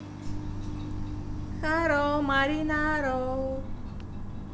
харо маринаро